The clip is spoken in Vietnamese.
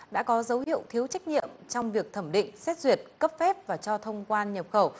đã có dấu hiệu thiếu trách nhiệm trong việc thẩm định xét duyệt cấp phép và cho thông quan nhập khẩu